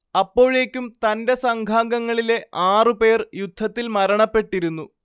അപ്പോഴേക്കും തന്റെ സംഘാംങ്ങളിലെ ആറു പേർ യുദ്ധത്തിൽ മരണപ്പെട്ടിരുന്നു